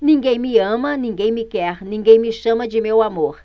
ninguém me ama ninguém me quer ninguém me chama de meu amor